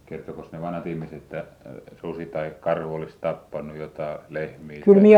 kertoikos ne vanhat ihmiset että susi tai karhu olisi tappanut jotakin lehmiä tai